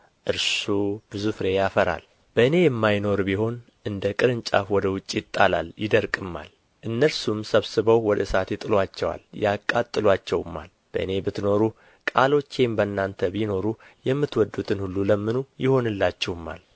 እርሱ ብዙ ፍሬ ያፈራል በእኔ የማይኖር ቢሆን እንደ ቅርንጫፍ ወደ ውጭ ይጣላል ይደርቅማል እነርሱንም ሰብስበው ወደ እሳት ይጥሉአቸዋል ያቃጥሉአቸውማል በእኔ ብትኖሩ ቃሎቼም በእናንተ ቢኖሩ የምትወዱትን ሁሉ ለምኑ ይሆንላችሁማል